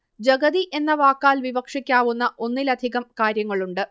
ജഗതി എന്ന വാക്കാൽ വിവക്ഷിക്കാവുന്ന ഒന്നിലധികം കാര്യങ്ങളുണ്ട്